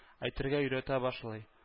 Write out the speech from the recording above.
Әйтергә өйрәтә башлый